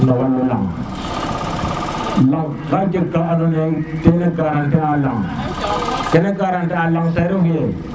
no walum laŋ yam ka jeg ka ando na ye ten na garanti a laŋ ke na garanti a laŋ te refu ye